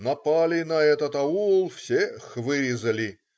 Напали на этот аул, всех вырезали.